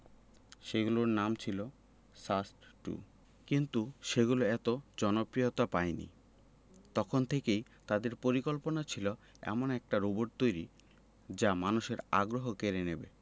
যেগুলোর নাম ছিল সাস্ট টু কিন্তু সেগুলো এত জনপ্রিয়তা পায়নি তখন থেকেই তাদের পরিকল্পনা ছিল এমন একটি রোবট তৈরির যা মানুষের আগ্রহ কেড়ে নেবে